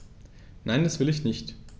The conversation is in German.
Nein, das will ich nicht.